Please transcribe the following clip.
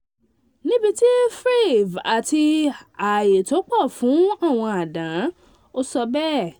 "Níbi ní Threave a ní ààyè tó pọ̀ fú àwọn àdán,” o sọ bẹ́ẹ̀.